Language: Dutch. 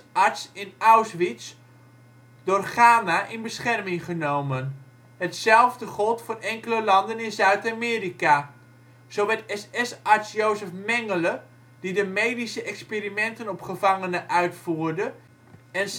SS-arts in Auschwitz, door Ghana in bescherming genomen. Hetzelfde geldt voor enkele landen in Zuid-Amerika. Zo werd SS-arts Josef Mengele, die de " medische " experimenten op gevangenen uitvoerde en